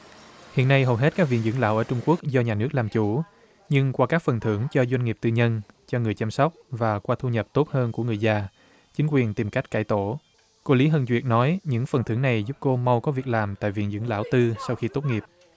hiện nay hầu hết các viện dưỡng lão ở trung quốc do nhà nước làm chủ nhưng qua các phần thưởng cho doanh nghiệp tư nhân cho người chăm sóc và qua thu nhập tốt hơn của người già chính quyền tìm cách cải tổ của lý thường kiệt nói những phần thưởng này giúp cô mầu có việc làm tại viện dưỡng lão tư sau khi tốt nghiệp